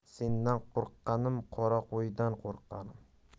sendan qo'rqqanim qora qo'ydan qo'rqqanim